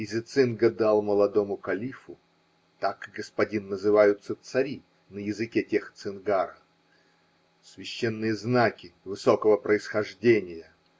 И Зецинго дал молодому калифу -- так, господин, называются цари на языке тех цингаро -- священные знаки высокого происхождения.